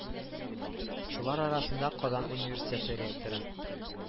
Шулар арасында казан университеты ректоры